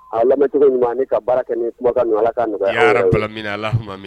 A lamɛn ɲuman ka baara kɛ ni kuma ala ka